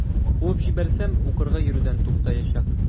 Куып җибәрсәм, укырга йөрүдән туктаячак.